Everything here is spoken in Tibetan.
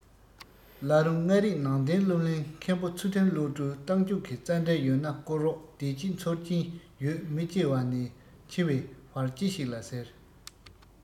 བླ རུང ལྔ རིག ནང བསྟན སློབ གླིང མཁན པོ ཚུལ ཁྲིམས བློ གྲོས རྟགས འཇུག གི རྩ འབྲེལ ཡོད ན བསྐུར རོགས བདེ སྐྱིད འཚོལ ཀྱིན ཡོད མི སྐྱེ བ ནས འཆི བའི བར ཅི ཞིག ལ ཟེར ན